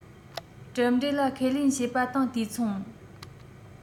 གྲུབ འབྲས ལ ཁས ལེན བྱེད པ དང དུས མཚུངས